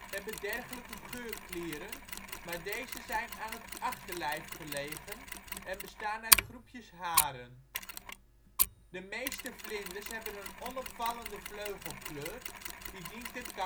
hebben dergelijke geurklieren, maar deze zijn aan het achterlijf gelegen en bestaan uit groepjes haren. De meeste vlinders hebben een onopvallende vleugelkleur die dient ter camouflage